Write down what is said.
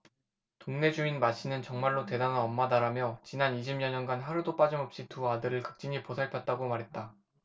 동네 주민은 마씨는 정말로 대단한 엄마다라며 지난 이십 여년간 하루도 빠짐없이 두 아들을 극진히 보살폈다고 말했다